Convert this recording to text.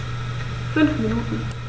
5 Minuten